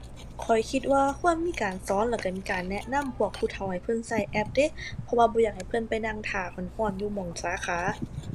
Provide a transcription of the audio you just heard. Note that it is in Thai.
ข้อยคิดว่าควรมีการสอนแล้วก็มีการแนะนำพวกผู้เฒ่าให้เพิ่นก็แอปเดะ เพราะว่าบ่อยากให้เพิ่นไปนั่งท่าก็ก็อยู่หม้องสาขา